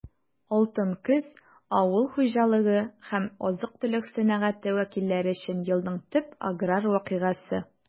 «алтын көз» - авыл хуҗалыгы һәм азык-төлек сәнәгате вәкилләре өчен елның төп аграр вакыйгасы.